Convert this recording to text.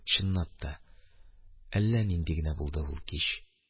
Чынлап та, әллә нинди генә булды ул кич.